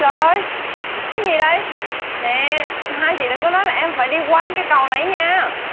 trời cái gì đấy nè hai chị đừng có nói là em phải đi qua cây cầu này nha